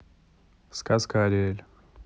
сказка ариэль